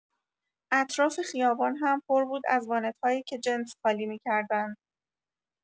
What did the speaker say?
اطراف خیابان هم پر بود از وانت‌هایی که جنس خالی می‌کردند.